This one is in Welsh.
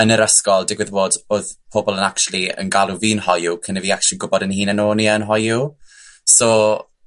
yn yr ysgold digwydd bod odd pobl yn actually yn galw fi'n hoyw cyn i fi actually gwbod 'yn hunan o'n i yn hoyw, so,